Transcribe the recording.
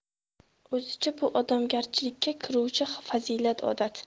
o'zicha bu odamgarchilikka kiruvchi fazilat odat